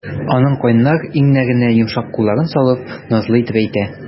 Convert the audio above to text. Аның кайнар иңнәренә йомшак кулларын салып, назлы итеп әйтте.